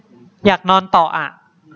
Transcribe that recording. อยากนอนต่ออะ